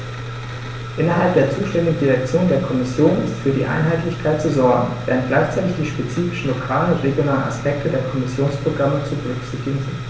Innerhalb der zuständigen Direktion der Kommission ist für Einheitlichkeit zu sorgen, während gleichzeitig die spezifischen lokalen und regionalen Aspekte der Kommissionsprogramme zu berücksichtigen sind.